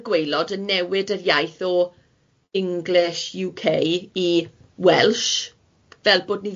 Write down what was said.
y gwaelod yn newid yr iaith o English UK i Welsh, fel bod ni